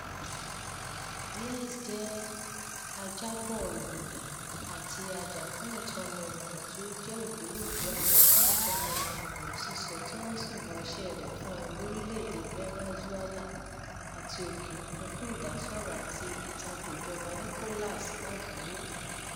Díaz jẹ́ ajábọ̀ ìròyìn àti a-jà-fún-ẹ̀tọ́-ọmọ ènìyàn tí ó jẹ́ ògbólógbòó ajàfúnẹ̀tọ́ òmìnira ọ̀rọ̀ sísọ tí wọ́n sì mọ ìṣe rẹ̀ fún un l'órílẹ̀ èdè Venezuela àti òkè òkun fún ìdásọ́rọ̀ àti ìtakò ìjọba Nicholas Maduro.